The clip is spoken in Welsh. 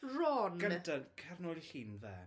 Ron!... Gynta, cer nôl i llun fe.